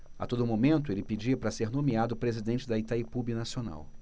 a todo momento ele pedia para ser nomeado presidente de itaipu binacional